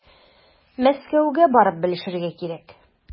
Мәскәүгә барып белешергә кирәк.